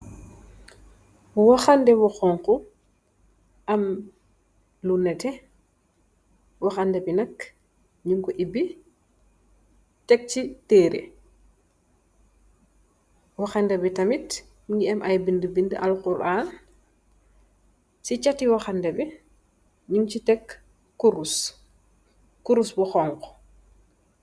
Waxande wu xoñxu, am lu nétté, waxande bi nak, ñung ko ubi, tek si tëëre. Wande tamit, mu ngi am ay bindë alxuraan, si chat i waxande bi, ñung si tek kurus bu xoñxu.